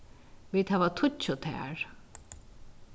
vit hava tíggju tær